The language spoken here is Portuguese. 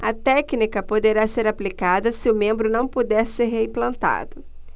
a técnica poderá ser aplicada se o membro não puder ser reimplantado